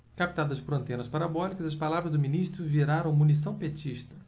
captadas por antenas parabólicas as palavras do ministro viraram munição petista